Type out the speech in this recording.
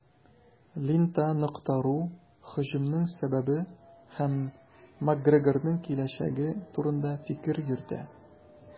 "лента.ру" һөҗүмнең сәбәбе һәм макгрегорның киләчәге турында фикер йөртә.